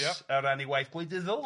O ran ei waith gwleidyddol